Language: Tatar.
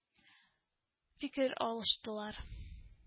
Фикер алыштылар